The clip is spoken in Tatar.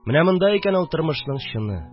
Менә монда икән ул тормышның чыны